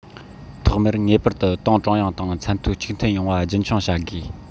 ཐོག མར ངེས པར དུ ཏང ཀྲུང དབྱང དང ཚད མཐོའི གཅིག མཐུན ཡོང བ རྒྱུན འཁྱོངས བྱ དགོས